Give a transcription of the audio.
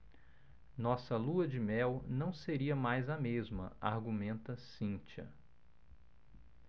nossa lua-de-mel não seria mais a mesma argumenta cíntia